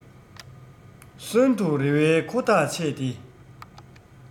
གསོན དུ རེ བའི ཁོ ཐག ཆད དེ